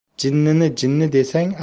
jinnini jinni desang